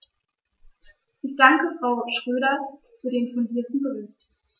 Ich danke Frau Schroedter für den fundierten Bericht.